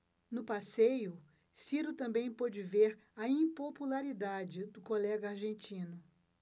no passeio ciro também pôde ver a impopularidade do colega argentino